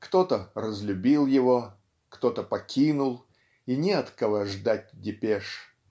Кто-то разлюбил его, кто-то покинул, и не от кого ждать депеш.